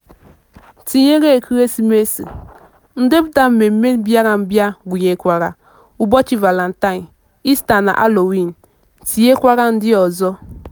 Tinyere ekeresimesi, ndepụta mmemme mbịarambịa gụnyekwara ụbọchị Valentine, Easter na Halloween, tinyekwara ndị ọzọ.